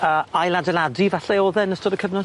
A ail adeiladu falle o'dd e yn ystod y cyfnod?